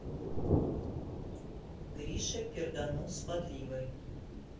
гриша перданул с подливой